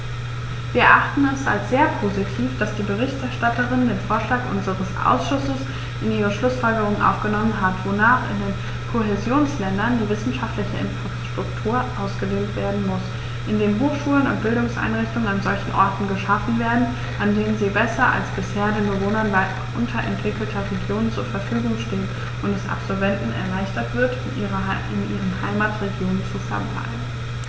Wir erachten es als sehr positiv, dass die Berichterstatterin den Vorschlag unseres Ausschusses in ihre Schlußfolgerungen aufgenommen hat, wonach in den Kohäsionsländern die wissenschaftliche Infrastruktur ausgedehnt werden muss, indem Hochschulen und Bildungseinrichtungen an solchen Orten geschaffen werden, an denen sie besser als bisher den Bewohnern unterentwickelter Regionen zur Verfügung stehen, und es Absolventen erleichtert wird, in ihren Heimatregionen zu verbleiben.